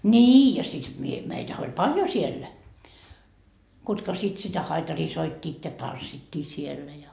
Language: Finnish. niin ja sitten minä meitähän oli paljon siellä ketkä sitten sitä haitaria soittivat ja tanssittiin siellä ja